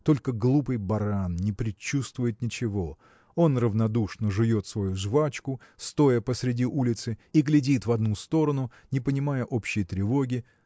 только глупый баран не предчувствует ничего он равнодушно жует свою жвачку стоя посреди улицы и глядит в одну сторону не понимая общей тревоги